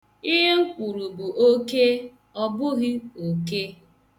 Ihe m kwuru bụ 'oke ' ọ bụghị ' òke '